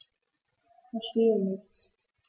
Verstehe nicht.